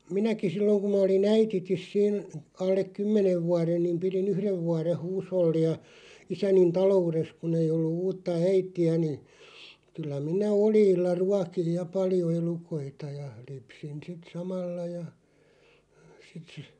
minäkin silloin kun minä olin äidittä siinä alle kymmenen vuoden niin pidin yhden vuoden huushollia isäni taloudessa kun ei ollut uutta äitiä niin kyllä minä oljilla ruokin ja paljon elukoita ja lypsin sitten samalla ja sitten -